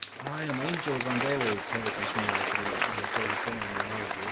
O ia, ma' Angels and Airwaves hefyd yn swnio fatha ryw UFO terminology.